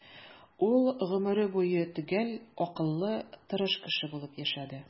Ул гомере буе төгәл, акыллы, тырыш кеше булып яшәде.